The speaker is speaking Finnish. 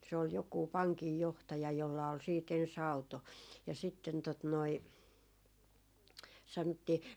se oli joku pankinjohtaja jolla oli sitten ensin auto ja sitten tuota noin sanottiin